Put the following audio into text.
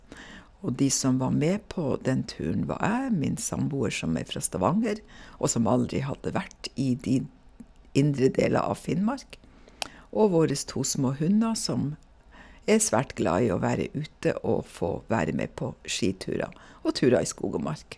Og de som var med på den turen var jeg, min samboer som er fra Stavanger, og som aldri hadde vært i de indre deler av Finnmark, og våre to små hunder, som er svært glad i være ute og få være med på skiturer og turer i skog og mark.